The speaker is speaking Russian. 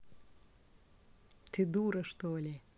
ты дура что ли